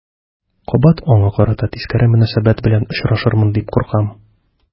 Кабат аңа карата тискәре мөнәсәбәт белән очрашырмын дип куркам.